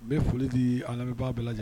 U bɛ foli di ala' bɛɛ lajɛlen